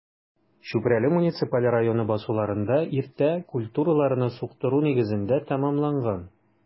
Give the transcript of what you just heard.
Чүпрәле муниципаль районы басуларында иртә культураларны суктыру нигездә тәмамланган.